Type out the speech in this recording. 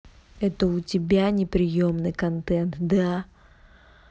это у тебя неприемный контент да